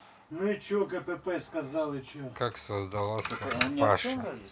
как создалась паша